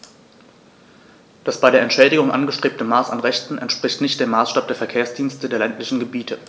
Das bei der Entschädigung angestrebte Maß an Rechten entspricht nicht dem Maßstab der Verkehrsdienste der ländlichen Gebiete.